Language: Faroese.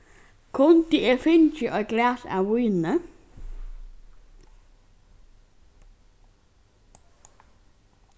kundi eg fingið eitt glas av víni